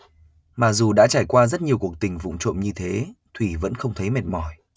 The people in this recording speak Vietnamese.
mà dù đã trải qua rất nhiều cuộc tình vụng trộm như thế thủy vẫn không thấy mệt mỏi